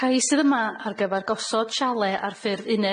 Cais sydd yma ar gyfar gosod siale ar ffyrdd uned